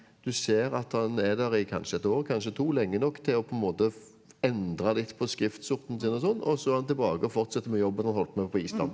du ser at han er der i kanskje ett år, kanskje to, lenge nok til å på en måte endre litt på skriftsorten sin og sånn og så er han tilbake og fortsetter med jobben han holdt på med på Island.